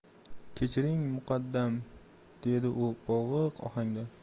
kechiring muqaddam dedi u bo'g'iq ohangda